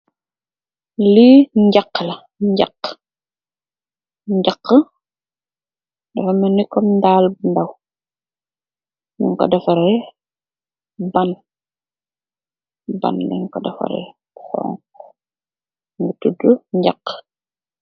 Li ngaha la ngaha ngaha dafa melni cum ndaal bu ndaw nung ko defareh baan baan len ko defareh bu xonxa mogi todu ngaha.